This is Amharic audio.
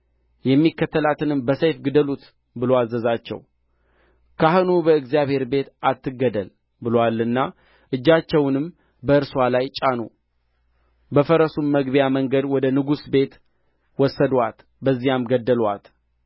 የሚከተላትንም በሰይፍ ግደሉት ብሎ አዘዛቸው ካህኑ በእግዚአብሔር ቤት አትገደል ብሎአልና እጃቸውንም በእርስዋ ላይ ጫኑ በፈረሱም መግቢያ መንገድ ወደ ንጉሥ ቤት ወሰዱአት በዚያም ገደሉአት